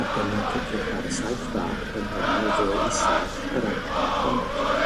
ac yna cliciwch ar y saeth fach yng nghornel dde isaf yr adran ffont.